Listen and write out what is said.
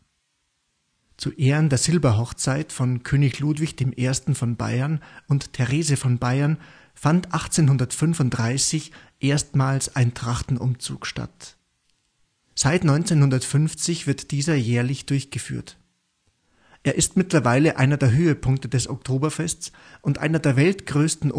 Zu Ehren der Silberhochzeit von König Ludwig I. von Bayern und Therese von Bayern fand 1835 erstmals ein Trachtenumzug statt. Seit 1950 wird dieser jährlich durchgeführt. Er ist mittlerweile einer der Höhepunkte des Oktoberfests und einer der weltgrößten